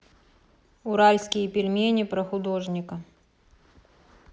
уральские пельмени про художника